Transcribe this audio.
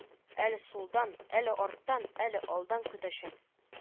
Әле сулдан, әле арттан, әле алдан көтәчәк